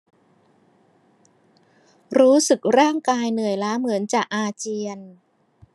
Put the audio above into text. รู้สึกร่างกายเหนื่อยล้าเหมือนจะอาเจียน